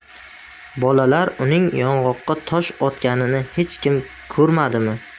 bolalar uning yong'oqqa tosh otganini hech kim ko'rmadimi